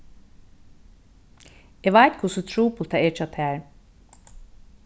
eg veit hvussu trupult tað er hjá tær